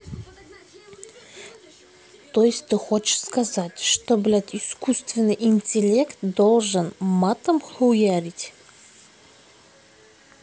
то есть ты хочешь сказать что блядь искусственный интеллект должен матом хуярить